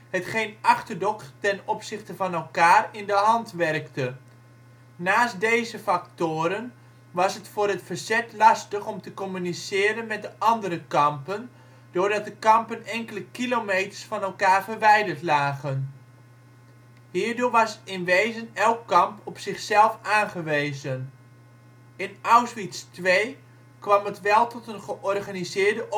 hetgeen achterdocht ten opzichte van elkaar in de hand werkte. Naast deze factoren was het voor het verzet lastig om te communiceren met de andere kampen, doordat de kampen enkele kilometers van elkaar verwijderd lagen. Hierdoor was in wezen elk kamp op zichzelf aangewezen. In Auschwitz II kwam het wel tot een georganiseerde